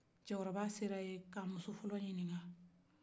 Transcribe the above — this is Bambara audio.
cɛkɔrɔba sera ye ka a musofɔlɔ ɲinika